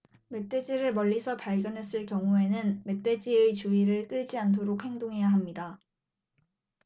멧돼지를 멀리서 발견했을 경우에는 멧돼지의 주의를 끌지 않도록 행동해야 합니다